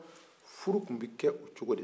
furu tun bi kɛ o cogo de la